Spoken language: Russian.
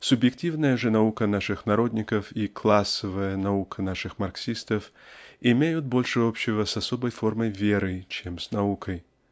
"субъективная" же наука наших народников и "классовая" наука наших марксистов имеют больше общего с особой формой веры чем с наукой.